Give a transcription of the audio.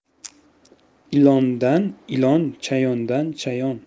ilondan ilon chayondan chayon